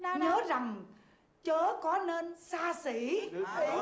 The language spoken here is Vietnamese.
nhớ rằng chớ có nên xa xỉ